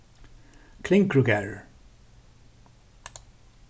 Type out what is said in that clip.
klingrugarður